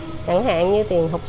chẳng hạn như tiền học